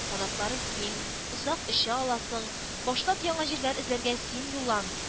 Канатларың киң, озак оча аласың, башлап яңа җирләр эзләргә син юллан